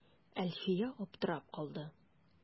Әлфия аптырап калды.